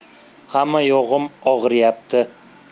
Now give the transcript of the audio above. hammayog'im og'riyapti